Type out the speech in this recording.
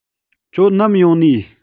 ཁྱོད ནམ ཡོང ནིས